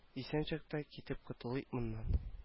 Исән чакта китеп котылыйк моннан